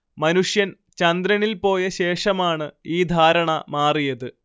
മനുഷ്യൻ ചന്ദ്രനിൽ പോയ ശേഷമാണ് ഈ ധാരണ മാറിയത്